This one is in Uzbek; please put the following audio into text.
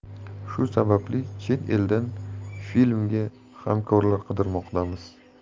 shu sababli chet eldan filmga hamkorlar qidirmoqdamiz